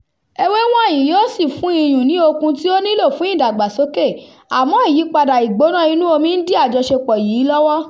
Ewé wọ̀nyí yóò sì fún iyùn ní okun tí ó nílò fún ìdàgbàsókè, àmọ́ àyípadà ìgbóná inú omi ń dí àjọṣepọ̀ yìí lọ́wọ́.